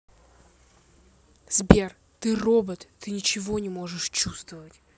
сбер ты робот ты ничего не можешь чувствовать